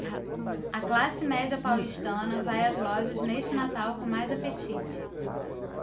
a classe média paulistana vai às lojas neste natal com mais apetite